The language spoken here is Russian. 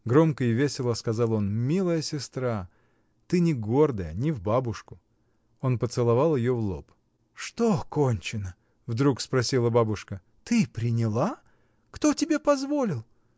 — громко и весело сказал он, — милая сестра! Ты не гордая, не в бабушку! Он поцеловал ее в лоб. — Что кончено? — вдруг спросила бабушка. — Ты приняла? Кто тебе позволил?